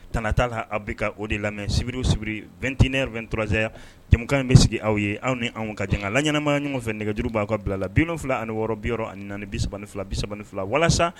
Tan t'a la aw bɛ ka o de lamɛn sibiriwbiri2tinɛw2 dɔrɔnzeya cɛmankan in bɛ sigi aw ye anw ni an ka jan la ɲɛnaanama ɲɔgɔn fɛ nɛgɛjuru'aw ka bilala bi fila ani wɔɔrɔ bi ni ni bi3 ni fila bi3 ni fila walasa